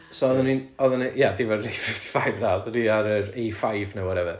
so oedden ni'n... oedden ni... ie dim ar y A fifty five, na oedden ni ar yr A five neu whatever.